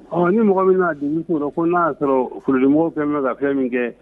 Ɔ ni mɔgɔ min y'a jigi kɛ o rɔ, ko n'a y'a sɔrɔ porogɛ mɔgɔw kɛ bɛ ka fɛn min kɛ.